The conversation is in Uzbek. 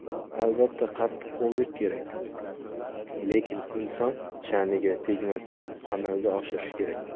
albatta qattiqqo'llik kerak lekin inson sha'niga tegmasdan amalga oshirish kerak